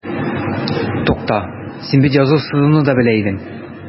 Тукта, син бит язу-сызуны да белә идең.